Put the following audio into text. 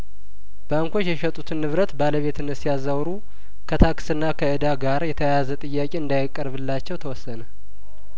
ባንኮች የሸጡትንንብረት ባለቤትነት ሲያዛውሩ ከታክስና ከእዳ ጋር የተያያዘ ጥያቄ እንዳይቀርብላቸው ተወሰነ